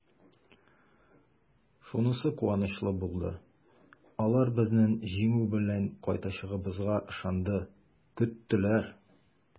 Шунысы куанычлы булды: алар безнең җиңү белән кайтачагыбызга ышанды, көттеләр!